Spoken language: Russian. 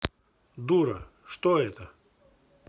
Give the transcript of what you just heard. дура что это